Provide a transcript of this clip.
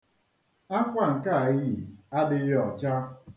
Akwa nke a iyi adịghi ọcha.